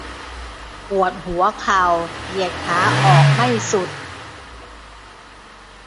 ปวดหัวเข่าเหยียดขาออกไม่สุด